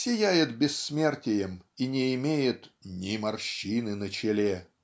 сияет бессмертием и не имеет "ни морщины на челе".